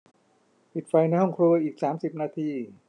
ปิดไฟในห้องครัวอีกสามสิบนาที